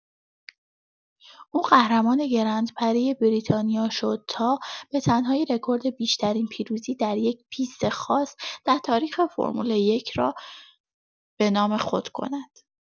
او قهرمان گرندپری بریتانیا شد تا به‌تنهایی رکورد بیشترین پیروزی در یک پیست خاص در تاریخ فرمول یک را به نام خود کند.